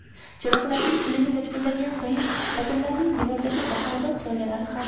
chiroqlarning piligi lipillagan sayin xotinlarning devordagi bahaybat soyalari ham